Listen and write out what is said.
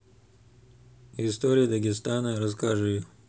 история дагестана расскажи